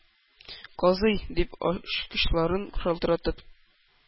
Казый!..-дип, ачкычларын шалтыратып,